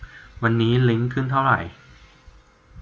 วันนี้ลิ้งขึ้นเท่าไหร่